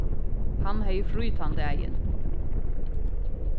hann hevði frí tann dagin